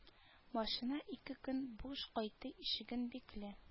Машина ике көн буш кайтты ишеген бикле